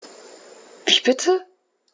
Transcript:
Wie bitte?